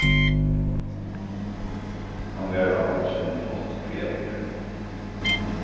hann var á sín hátt friðarligur